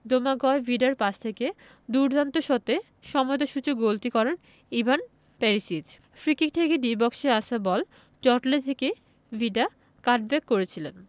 Domagoj ভিদার pass থেকে দুর্দান্ত শটে সমতাসূচক গোলটি করেন ইভান পেরিসিচ ফ্রিকিক থেকে ডি বক্সে আসা বল জটলা থেকে ভিদা কাটব্যাক করেছিলেন